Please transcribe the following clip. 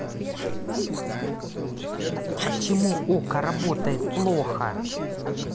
почему okko работает плохо